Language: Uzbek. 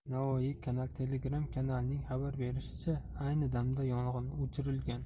navoiy kanal telegram kanalining xabar berishicha ayni damda yong'in o'chirilgan